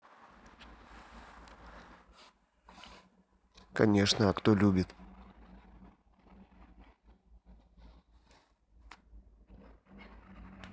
конечно а кто любит